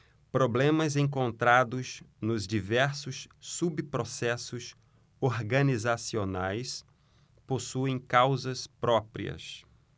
problemas encontrados nos diversos subprocessos organizacionais possuem causas próprias